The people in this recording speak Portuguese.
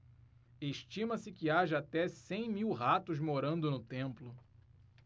estima-se que haja até cem mil ratos morando no templo